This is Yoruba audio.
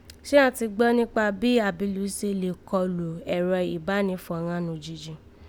Ṣé àán ti gbọ́ níkpa bí àbìlú ṣe lè kọlu ẹ̀rọ ìbánẹfọ̀ ghan nòjíjì